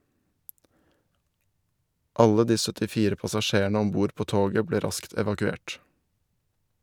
Alle de 74 passasjerne om bord på toget ble raskt evakuert.